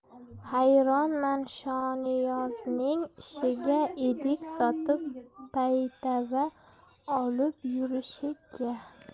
hayronman shoniyozning ishiga etik sotib paytava olib yurishiga